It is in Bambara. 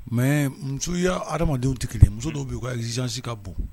Mais musow y'a hadamadenw tɛ kelen ye muso dɔw be ye u ka exigence ka bon